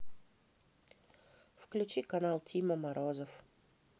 включи канал тима морозов